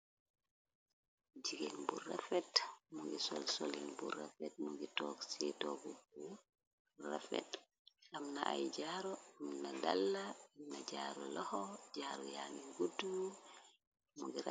jigeen bu rafet mu ngi sol solen bu rafet mu ngi toog ci toogu burafet amna ay jaaru muna dala inna jaaru loxo jaaru yanngi nguddu